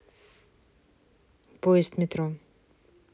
поезд метро